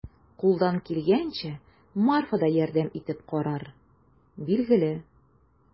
Кулдан килгәнчә Марфа да ярдәм итеп карар, билгеле.